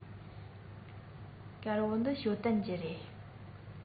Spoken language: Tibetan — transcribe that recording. དཀར པོ འདི ཞའོ ཏོན གྱི རེད